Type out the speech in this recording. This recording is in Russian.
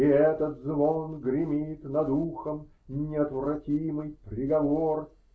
И этот звон гремит над ухом Неотвратимый приговор.